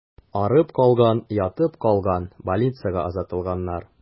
Арып калган, ятып калган, больницага озатылганнар.